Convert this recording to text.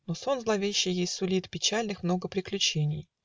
Но сон зловещий ей сулит Печальных много приключений.